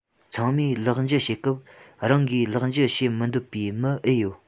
ཚང མས ལག འཇུ བྱེད སྐབས རང གིས ལག འཇུ བྱེད མི འདོད པའི མི ཨེ ཡོད